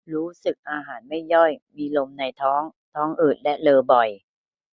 รู้สึกอาหารไม่ย่อยมีลมในท้องท้องอืดและเรอบ่อย